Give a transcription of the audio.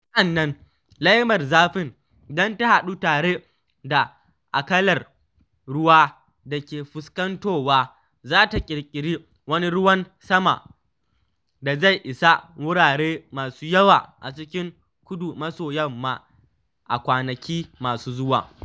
Sa’an nan, laimar zafin idan ta haɗu tare da akalar ruwa da ke fuskantowa za ta ƙirƙiri wani ruwan sama da zai isa wurare masu yawa a cikin kudu-maso-yamma a kwanaki masu zuwa.